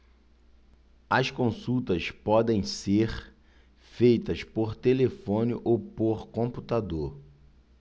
as consultas podem ser feitas por telefone ou por computador